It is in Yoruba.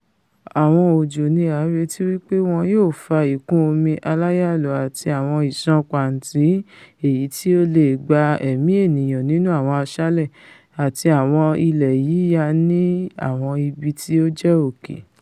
Àwọn òjò ni a rètí wí pé wọn yóò fa ìkún-omi aláyalù àti àwọn ìsàn pàǹtí èyití ó leè gba ẹ̀mí ènìyàn nínú àwọn asálẹ̀, àti àwọn ilẹ̀ yíya ní awọn ibití ó jẹ́ òkè.